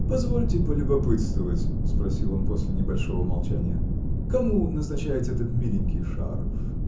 -- Позвольте полюбопытствовать, -- спросил он после небольшого молчания, -- кому назначается этот миленький шарф?